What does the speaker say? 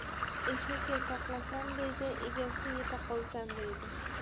eshak yotaqolsam deydi egasi yetaqolsam deydi